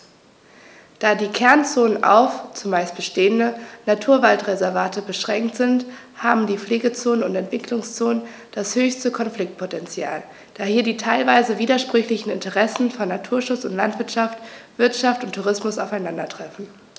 Da die Kernzonen auf – zumeist bestehende – Naturwaldreservate beschränkt sind, haben die Pflegezonen und Entwicklungszonen das höchste Konfliktpotential, da hier die teilweise widersprüchlichen Interessen von Naturschutz und Landwirtschaft, Wirtschaft und Tourismus aufeinandertreffen.